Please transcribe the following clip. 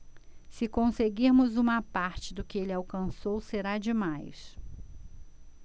se conseguirmos uma parte do que ele alcançou será demais